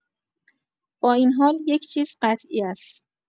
با این حال، یک چیز قطعی است.